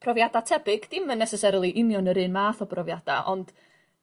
profiada tebyg dim yn necessarily union yr un math o brofiada ond